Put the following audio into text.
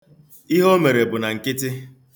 Ihe o mere bụ na nkịtị.